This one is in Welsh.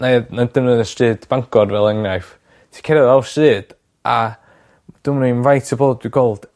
'nai... Ma dynion ar y stryd Banger fel enghraiff ti cere lawr stryd a dwn i 'im faint o bobol dwi gweld